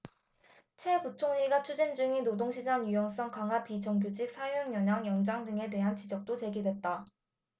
최 부총리가 추진 중인 노동시장 유연성 강화 비정규직 사용연한 연장 등에 대한 지적도 제기됐다